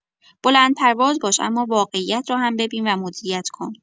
بلندپرواز باش اما واقعیت را هم ببین و مدیریت کن.